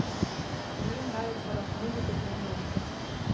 мне нравится рок музыка девяностых